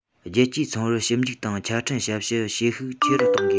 རྒྱལ སྤྱིའི ཚོང རར ཞིབ འཇུག དང ཆ འཕྲིན ཞབས ཞུ བྱེད ཤུགས ཆེ རུ གཏོང དགོས